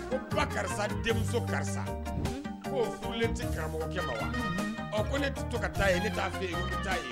Ko ba karisa denmuso karisa k'o furulen tɛ karamɔgɔkɛ ma wa, ko ne tɛ to ka taa yen ne t'a fɔ e ye n ko n bɛ taa yen